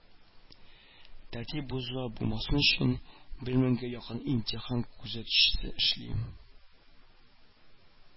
Тәртип бозулар булмасын өчен бер меңгә якын имтихан күзәтчесе эшли